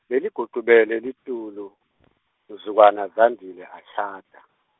Beligucubele litulu , mzukwana Zandile ashada.